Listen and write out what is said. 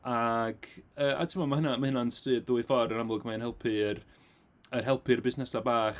Ac yy a timod ma' hynny'n ma' hynna'n stryd ddwy ffordd. Yn amlwg mae'n helpu'r yn helpu'r busnesau bach.